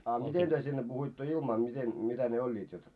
a miten te sinne puhuitte ilmaa miten mitä ne olivat jotta